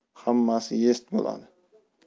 hammasi yest bo'ladi